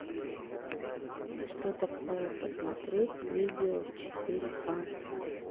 что такое посмотреть видео в четыре ка